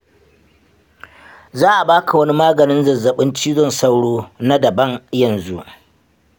za a ba ka wani maganin zazzabin cizon sauro na daban yanzu.